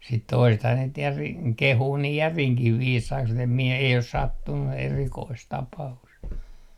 sitten toisethan niitä järin kehuu niin järinkin viisaiksi mutta en minä ei ole sattunut erikoista tapausta